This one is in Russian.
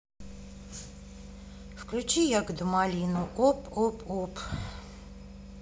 включи ягоду малинку оп оп оп